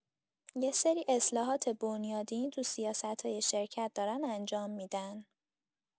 یه سری اصلاحات بنیادین تو سیاستای شرکت دارن انجام می‌دن.